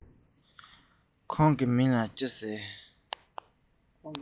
ཁོང གི མཚན ལ ག རེ ཞུ གི ཡོད རེད